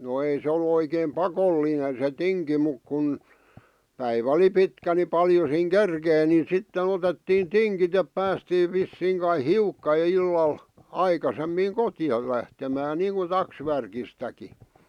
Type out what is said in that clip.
no ei se ollut oikein pakollinen se tinki mutta kun päivä oli pitkä niin paljon siinä kerkesi niin sitten otettiin tingit että päästiin vissiin kai hiukka jo illalla aikaisemmin kotiin lähtemään niin kuin taksvärkistäkin